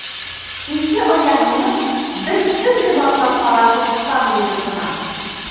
Ике аягыңның берсен генә атлап кара шул штанга йортына!